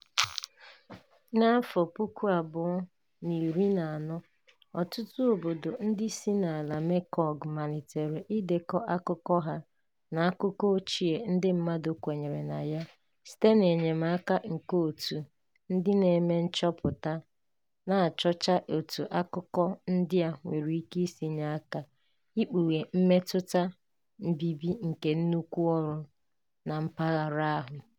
Na 2014, ọtụtụ obodo ndị si n'ala Mekong malitere idekọ akụkọ ha na akụkọ ochie ndị mmadụ kwenyere na ya site n'enyemaka nke òtù ndị na-eme nchọpụta na-achọcha etu akụkọ ndị a nwere ike isi nye aka ikpughe mmetụta mbibi nke nnukwu ọrụ na mpaghara ahụ.